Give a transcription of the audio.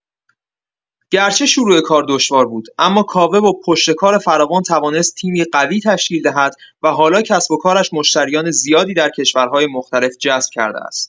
گرچه شروع کار دشوار بود، اما کاوه با پشتکار فراوان توانست تیمی قوی تشکیل دهد و حالا کسب‌وکارش مشتریان زیادی در کشورهای مختلف جذب کرده است.